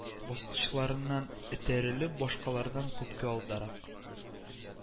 Баскычларыннан этәрелеп, башкалардан күпкә алдарак